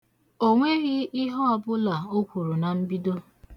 O nweghị ihe ọbụla o kwuru na mbido.